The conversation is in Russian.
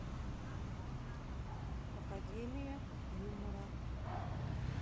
академия юмора